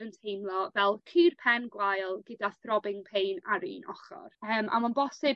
yn teimlo fel cur pen gwael gyda throbbing pain ar un ochor yym a ma'n bosib